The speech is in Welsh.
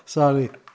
Sori!